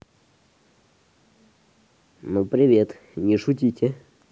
ну привет не шутите